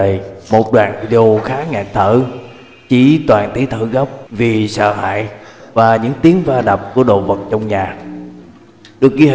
và tiếp theo đây một đoạn video khá ngạt thở chỉ toàn tiếng thở gấp vì sợ hãi và những tiếng va đập của đồ vật trong nhà